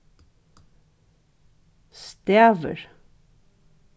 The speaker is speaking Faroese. stavir